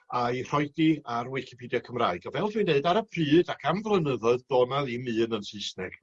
a'i rhoid 'i ar wicipedia Cymraeg a fel dwi'n deud ar y pryd ac am flynyddoedd do' 'na ddim un yn Saesneg.